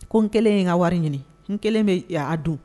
Ko n kɛlen in ka wari ɲini n kelen bɛ a dun